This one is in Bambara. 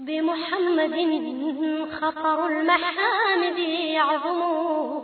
Denmugɛningɛnintangɛnin yo